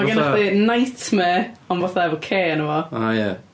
Mae gennych chdi Nightmare, ond fatha efo K arna fo... O ia.